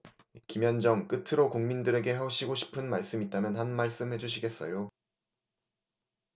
김현정 끝으로 국민들에게 하시고 싶은 말씀 있다면 한 말씀 해주시겠어요